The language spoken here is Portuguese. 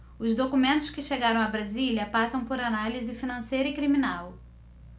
os documentos que chegaram a brasília passam por análise financeira e criminal